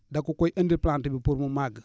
da ko koy andil plante bi pour mu màgg